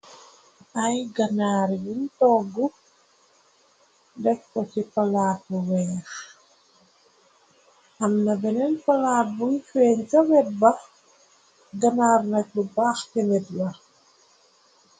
Ay ganaar yuñ togg dekko ci palaat bu weex amna beneen palaat buy feeñ sa wet bax ganaar nak bu baax ci nit la.